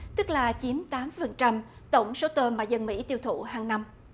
tức là chiếm tám phần trăm tổng số tôm mà dân mỹ tiêu thụ hàng năm